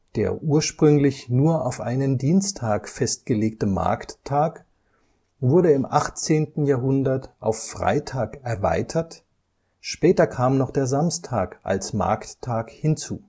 Der ursprünglich nur auf einen Dienstag festgelegte Markttag wurde im 18. Jahrhundert auf Freitag erweitert, später kam noch der Samstag als Markttag hinzu